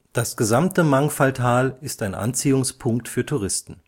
Das gesamte Mangfalltal ist ein Anziehungspunkt für Touristen